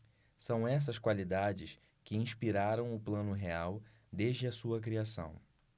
são essas qualidades que inspiraram o plano real desde a sua criação